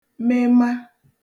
mema